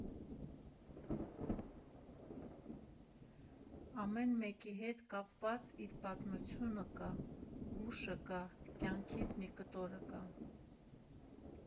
Ամեն մեկի հետ կապված իր պատմությունը կա, հուշը կա, կյանքիս մի կտորը կա։